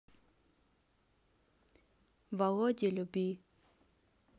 володе люби